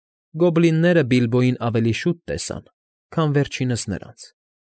Գոբլինները Բիլբոյին ավելի շուտ տեսան, քան վերջինս՝ նրանց։